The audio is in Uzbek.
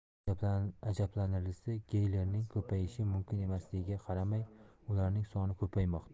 ajablanarlisi geylarning ko'payishi mumkin emasligiga qaramay ularning soni ko'paymoqda